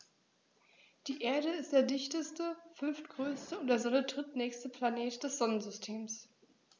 Die Erde ist der dichteste, fünftgrößte und der Sonne drittnächste Planet des Sonnensystems.